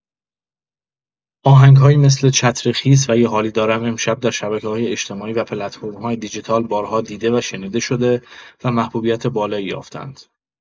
آهنگ‌هایی مثل چتر خیس و یه حالی دارم امشب در شبکه‌های اجتماعی و پلتفرم‌های دیجیتال بارها دیده و شنیده شده و محبوبیت بالایی یافته‌اند.